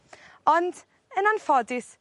Ond yn anffodus